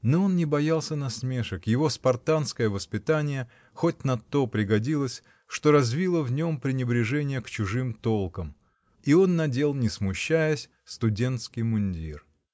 но он не боялся насмешек: его спартанское воспитание хоть на то пригодилось, что развило в нем пренебрежение к чужим толкам, -- и он надел, не смущаясь, студентский мундир.